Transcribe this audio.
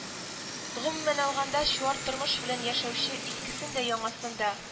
Гомумән алганда, чуар тормыш белән яшәүче, искесен дә, яңасын да